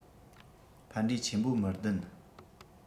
ཕན འབྲས ཆེན པོ མི ལྡན